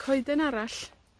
Coeden arall